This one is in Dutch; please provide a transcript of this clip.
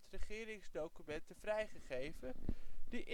regeringsdocumenten vrijgegeven die